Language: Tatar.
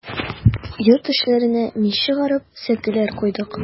Йорт эчләренә мич чыгарып, сәкеләр куйдык.